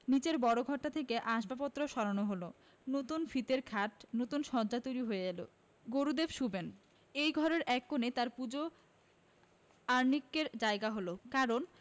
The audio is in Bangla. নীচের বড় ঘরটা থেকে আসবাবপত্র সরানো হলো নতুন ফিতের খাট নতুন শয্যা তৈরি হয়ে এলো গুরুদেব শোবেন এই ঘরেরই এক কোণে তাঁর পূজো আহ্নিকের জায়গা হলো কারণ